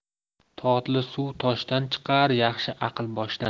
totli suv toshdan chiqar yaxshi aql boshdan